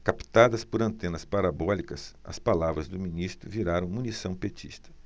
captadas por antenas parabólicas as palavras do ministro viraram munição petista